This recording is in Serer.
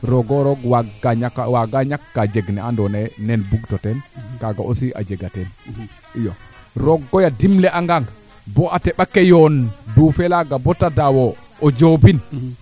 bug jaand le jang l=jaand le yoo fañ jaand le jag jand le yaam laŋ ke a ndaawa ndeng o yipa nge engrais jeg kiro ne bugoona so o yipa nga engrais aussi